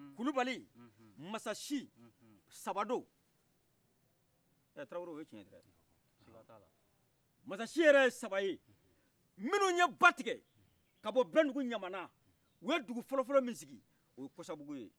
kulibali masacin sabado ɛ tarawore o ye cinye dai masacin yɛrɛ ye sabaye minun ye batikɛ ka bɔbɛndugu ɲamana uye dugu fɔlɔfɔlɔ min sigi oye kɔsabugu